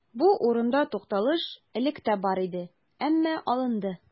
Бу урында тукталыш элек тә бар иде, әмма алынды.